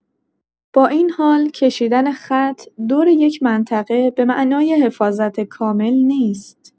بااین‌حال، کشیدن خط دور یک منطقه به معنای حفاظت کامل نیست.